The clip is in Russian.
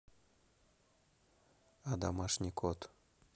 а домашний кот